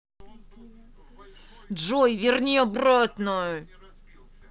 джой верни обратно